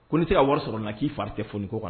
Ko n ne tɛ ka wari sɔrɔ na k'i fari tɛ foniko kan